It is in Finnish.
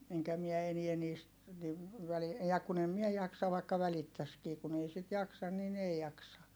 enkä minä enää niistä niin - ja kun en minä jaksa vaikka välittäisikin kun ei sitä jaksa niin ei jaksa